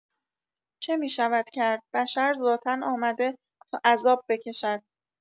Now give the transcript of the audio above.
چه می‌شود کرد، بشر ذاتا آمده تا عذاب بکشد.